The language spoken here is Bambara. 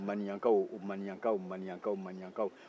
maniyankaw maniyankaw maniyankaw